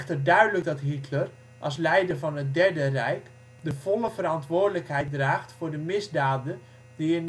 duidelijk dat Hitler, als leider van het Derde Rijk, de volle verantwoordelijkheid draagt voor de misdaden die